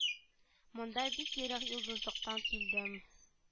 Монда бик ерак йолдызлыктан килдем